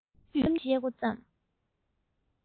གཏམ རྒྱུད བཤད མགོ བརྩམས